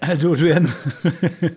Ydw, dwi yn!